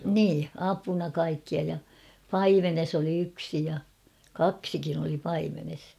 niin apuna kaikkia ja paimenessa oli yksi ja kaksikin oli paimenessa